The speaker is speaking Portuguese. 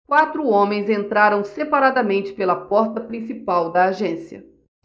quatro homens entraram separadamente pela porta principal da agência